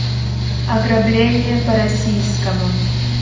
ограбление по российскому